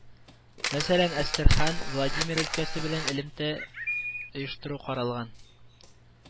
Мәсәлән, Әстерхан, Владимир өлкәсе белән элемтә оештыру каралган